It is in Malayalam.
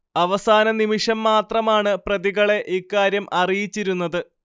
അവസാന നിമിഷം മാത്രമാണ് പ്രതികളെ ഇക്കാര്യം അറിയിച്ചിരുന്നത്